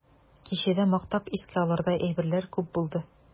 Кичәдә мактап искә алырдай әйберләр күп булды.